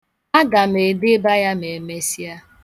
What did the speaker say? A ga m edeba ya ma emesịa.